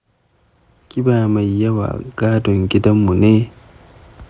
ƙiba mai yawa gadon gidanmu ne.